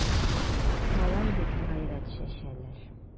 Алай дип гайрәт чәчәләр...